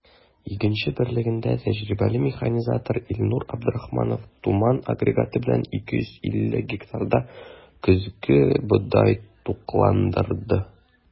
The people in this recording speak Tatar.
“игенче” берлегендә тәҗрибәле механизатор илнур абдрахманов “туман” агрегаты белән 250 гектарда көзге бодай тукландырды.